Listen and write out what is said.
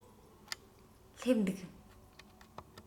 སླེབས འདུག